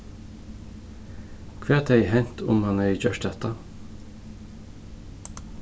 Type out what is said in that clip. hvat hevði hent um hann hevði gjørt hatta